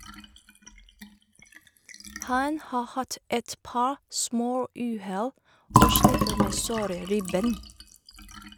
Han har hatt et par småuhell og sliter med såre ribben.